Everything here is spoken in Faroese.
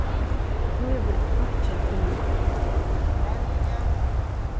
tú hevur rokkið tíni mál